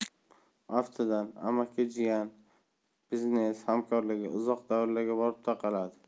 aftidan amaki jiyanning biznes hamkorligi uzoq davrlarga borib taqaladi